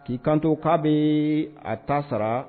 K'i kanto k'a bɛ a ta sara